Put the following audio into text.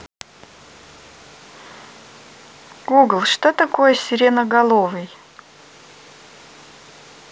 google что такое сиреноголовый